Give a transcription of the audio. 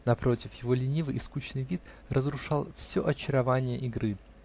напротив, его ленивый и скучный вид разрушал все очарование игры.